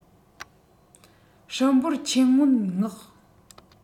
སྲིད འབོར ཆེན སྔོན མངག